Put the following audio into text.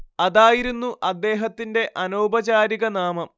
അതായിരുന്നു അദ്ദേഹത്തിന്റെ അനൗപചാരികനാമം